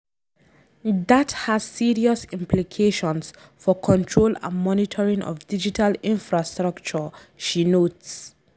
“That has serious implications for control and monitoring of digital infrastructure,” she notes.